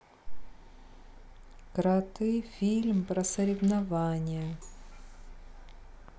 кроты фильм про соревнования